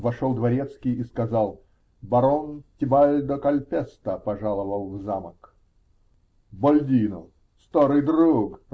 Вошел дворецкий и сказал: -- Барон Тебальдо Кальпеста пожаловал в замок. -- Бальдино! Старый друг!